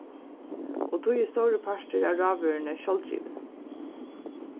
og tí er stórur partur av rávøruni sjálvgivin